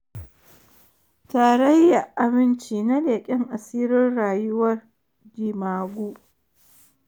Tarayya Aminci na leken asirin rayuwar jemagu